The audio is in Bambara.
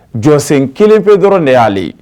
Jɔsen kelenfe dɔrɔn de y'aale